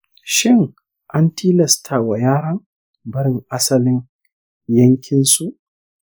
shin an tilasta wa yaron barin asalin yankinsu?